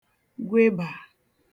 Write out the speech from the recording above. gwebà